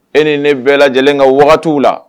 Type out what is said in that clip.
E ni ne bɛɛ lajɛlen ka wagatiw la